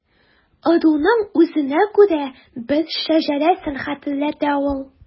Ыруның үзенә күрә бер шәҗәрәсен хәтерләтә ул.